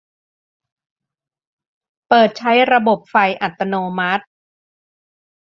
เปิดใช้ระบบไฟอัตโนมัติ